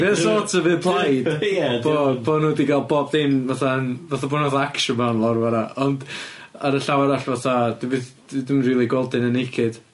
sort of implied bod bo' nw 'di ga'l bob dim fatha yn fatha bo' nw 'tha action man lawr fan 'na, ond ar y llaw arall fatha dwi byth- d- dwi'm rili gweld un yn naked.